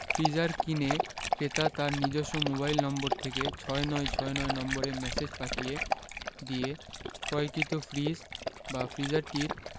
freezer কিনে ক্রেতা তার নিজস্ব মোবাইল নম্বর থেকে ৬৯৬৯ নম্বরে ম্যাসেজ পাঠিয়ে দিয়ে ক্রয়কৃত ফ্রিজ বা ফ্রিজারটির